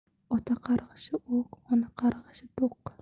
ota qarg'ishi o'q ona qarg'ishi do'q